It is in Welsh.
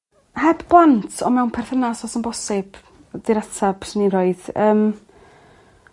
Heb blant on' mewn perthynas os yn bosib 'di'r atab swn i'n rhoid. Yym.